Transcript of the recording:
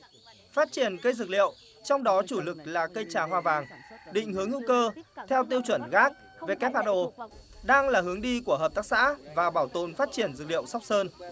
phát triển cây dược liệu trong đó chủ lực là cây trà hoa vàng định hướng hữu cơ theo tiêu chuẩn gát vê kép hắt ô đang là hướng đi của hợp tác xã và bảo tồn phát triển dược liệu sóc sơn